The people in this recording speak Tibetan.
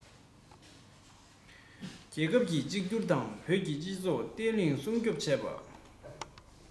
རྒྱལ ཁབ ཀྱི གཅིག གྱུར དང བོད ཀྱི སྤྱི ཚོགས བརྟན ལྷིང སྲུང སྐྱོང བྱས པ